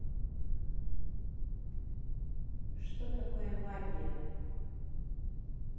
что такое магия